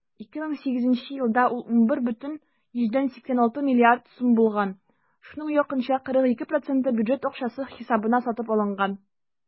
2008 елда ул 11,86 млрд. сум булган, шуның якынча 42 % бюджет акчасы хисабына сатып алынган.